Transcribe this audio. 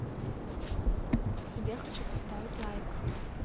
тебе хочу поставить лайк